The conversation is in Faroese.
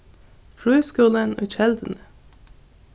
frískúlin í kelduni